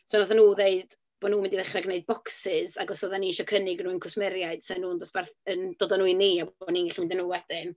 So wnaethon nhw ddeud bo' nhw'n mynd i ddechrau gwneud bocsys, ac os oedden ni isio cynnig nhw i'n cwsmeriaid, 'sa nhw'n dosbarth- yn dod â nhw i ni a bo' ni'n gallu mynd â nhw wedyn.